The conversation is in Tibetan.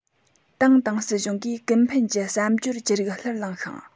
ཏང དང སྲིད གཞུང གིས ཀུན ཕན གྱི བསམ སྦྱོར ཅི རིགས ལྷུར བླངས ཤིང